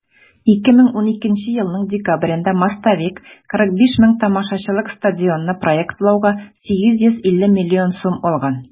2012 елның декабрендә "мостовик" 45 мең тамашачылык стадионны проектлауга 850 миллион сум алган.